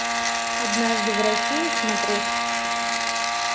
однажды в россии смотреть